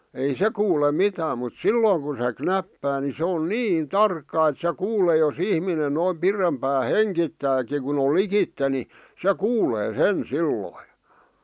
ei se kuule mitään mutta silloin kun se knäppää niin se on niin tarkka että se kuulee jos ihminen noin pidempään hengittääkin kun on likitse niin se kuulee sen silloin